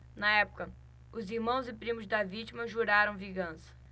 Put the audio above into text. na época os irmãos e primos da vítima juraram vingança